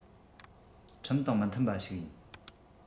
ཁྲིམས དང མི མཐུན པ ཡིན